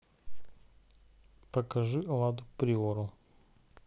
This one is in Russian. покажи ладу приору